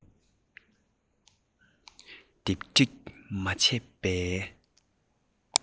སྡེབ བསྒྲིགས མ བྱས པའི